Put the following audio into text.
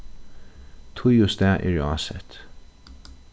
tíð og stað eru ásett